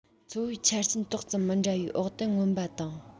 འཚོ བའི ཆ རྐྱེན ཏོག ཙམ མི འདྲ བའི འོག ཏུ མངོན པ དང